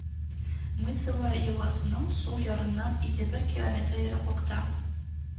Мысовая елгасының сул ярыннан илле бер километр ераклыкта